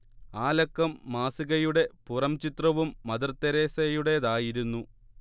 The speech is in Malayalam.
ആ ലക്കം മാസികയുടെ പുറംചിത്രവും മദർതെരേസയുടേതായിരുന്നു